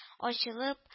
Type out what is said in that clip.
Ачылып